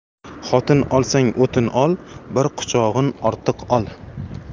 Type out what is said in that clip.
xotin olsang o'tin ol bir quchog'in ortiq ol